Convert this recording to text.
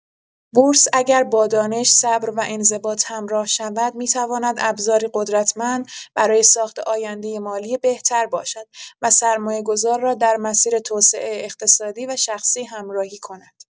بورس اگر با دانش، صبر و انضباط همراه شود، می‌تواند ابزاری قدرتمند برای ساخت آینده مالی بهتر باشد و سرمایه‌گذار را در مسیر توسعه اقتصادی و شخصی همراهی کند.